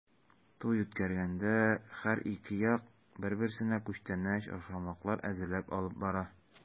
Туй үткәргәндә һәр ике як бер-берсенә күчтәнәч-ашамлыклар әзерләп алып бара.